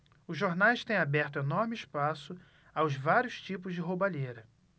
os jornais têm aberto enorme espaço aos vários tipos de roubalheira